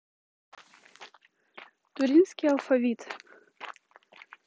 туринский алфавит